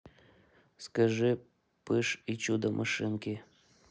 скажи пыш и чудо машинки